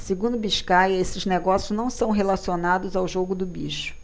segundo biscaia esses negócios não são relacionados ao jogo do bicho